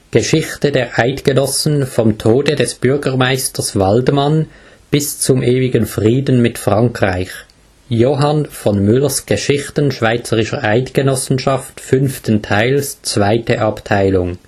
Geschichte der Eidgenossen vom Tode des Bürgermeisters Waldmann bis zum ewigen Frieden mit Frankreich. Johann von Müllers Geschichten schweiz. Eidgenossenschaft fünften Theils, zweite Abtheilung